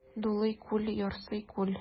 Дулый күл, ярсый күл.